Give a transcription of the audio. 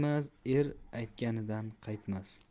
er aytganidan qaytmas